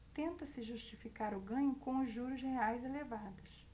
tenta-se justificar o ganho com os juros reais elevados